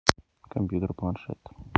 компьютер планшет